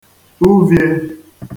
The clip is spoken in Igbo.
uviē